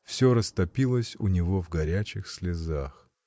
Всё растопилось у него в горячих слезах.